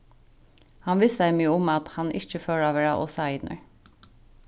hann vissaði meg um at hann ikki fór at vera ov seinur